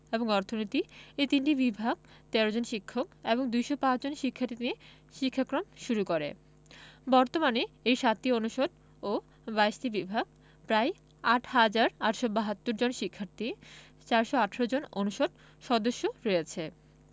এবং অর্থনীতি এ তিনটি বিভাগ ১৩ জন শিক্ষক এবং ২০৫ জন শিক্ষার্থী নিয়ে শিক্ষাক্রম শুরু করে বর্তমানে এর ৭টি অনুষদ ও ২২টি বিভাগ প্রায় ৮ হাজার ৮৭২ জন শিক্ষার্থী ৪১৮ জন অনুষদ সদস্য রয়েছে